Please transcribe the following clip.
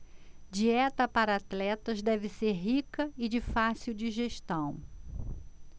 dieta para atletas deve ser rica e de fácil digestão